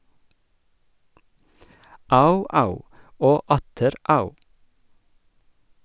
- Au-au, og atter au.